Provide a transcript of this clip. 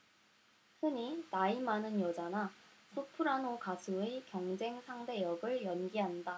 흔히 나이 많은 여자나 소프라노 가수의 경쟁 상대 역을 연기한다